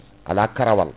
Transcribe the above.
ala karawal